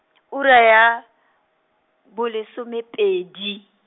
ura ya, bolesome pedi.